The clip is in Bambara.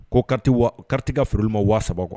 Ko ka wa kati ka foli ma waasa